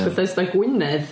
Bethesda Gwynedd.